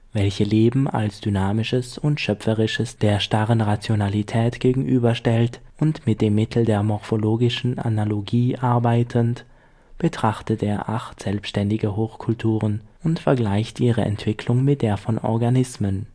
welche Leben als Dynamisches und Schöpferisches der starren Rationalität gegenüberstellt, und mit dem Mittel der morphologischen Analogie arbeitend, betrachtet er acht selbständige Hochkulturen und vergleicht ihre Entwicklung mit der von Organismen